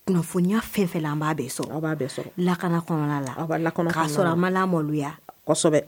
Kunnafoniya fɛnfɛ b'a sɔrɔa sɔrɔ lakana kɔnɔna la laa sɔrɔ a ma maloya kosɛbɛ